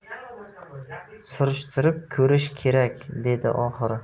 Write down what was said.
surishtirib ko'rish kerak dedi oxiri